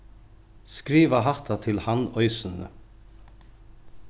skriva hatta til hann eisini